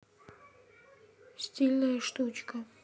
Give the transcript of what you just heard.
стильная штучка